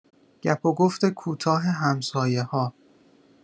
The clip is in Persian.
گپ و گفت کوتاه همسایه‌ها